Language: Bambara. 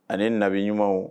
Ani nabiɲuman